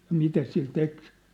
ja mitä sillä teki